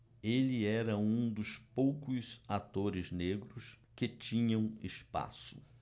ele era um dos poucos atores negros que tinham espaço